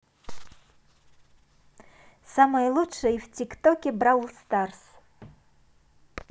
самые лучшие в тик токи бравл старс